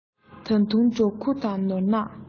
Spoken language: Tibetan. ད དུང འབྲོང ཁྱུ དང ནོར གནག